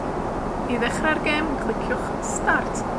I ddechrau'r gêm. Cliciwch Start.